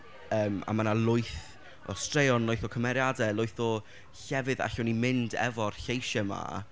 Yym, a mae 'na lwyth o straeon, lwyth o cymeriadau, lwyth o llefydd allwn ni mynd efo'r lleisiau 'ma.